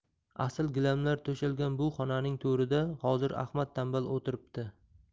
asl gilamlar to'shalgan bu xonaning to'rida hozir ahmad tanbal o'tiribdi